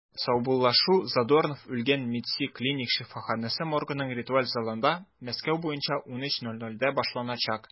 Саубуллашу Задорнов үлгән “МЕДСИ” клиник шифаханәсе моргының ритуаль залында 13:00 (мск) башланачак.